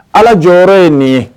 Ala jɔyɔrɔ ye nin ye.